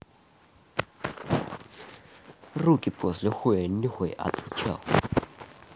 руки после хуя нюхай отвечал